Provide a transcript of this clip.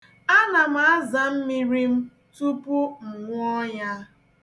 Ana m aza mmiri m tupu m ṅụọ ya.